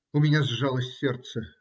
У меня сжалось сердце.